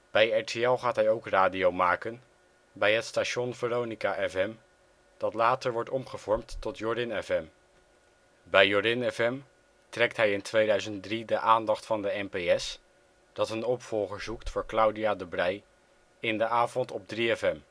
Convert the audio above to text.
Bij RTL gaat hij ook radio maken, bij het station Veronica FM dat later wordt omgevormd tot Yorin FM. Bij Yorin FM trekt hij in 2003 de aandacht van de NPS, dat een opvolger zoekt voor Claudia de Breij in de avond op 3FM. Na een